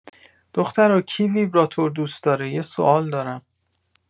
دخترا کی ویبراتور دوسداره یه سوال دارم